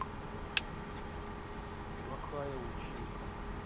плохая училка